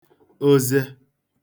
oze